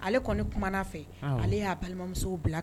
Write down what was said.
Ale kɔni kumana a fɛ, awɔ, ale y'a balimamuso bila